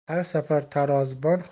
har safar tarozibon